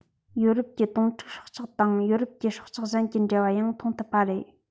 ཡོ རོབ ཀྱི དོང ཕུག སྲོག ཆགས དང ཡོ རོབ ཀྱི སྲོག ཆགས གཞན གྱི འབྲེལ བ ཡང མཐོང ཐུབ པ རེད